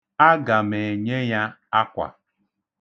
Aga m enye ya akwa.